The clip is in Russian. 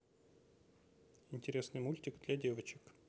интересный мультик для девочек